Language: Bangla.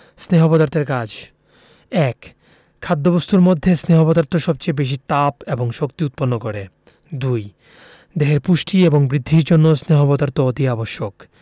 স্নেহ পদার্থের কাজ ১. খাদ্যবস্তুর মধ্যে স্নেহ পদার্থ সবচেয়ে বেশী তাপ এবং শক্তি উৎপন্ন করে ২. দেহের পুষ্টি এবং বৃদ্ধির জন্য স্নেহ পদার্থ অতি আবশ্যক